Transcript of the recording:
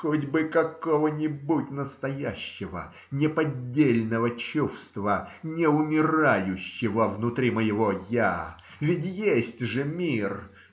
хоть бы какого-нибудь настоящего, неподдельного чувства, не умирающего внутри моего "я"! Ведь есть же мир!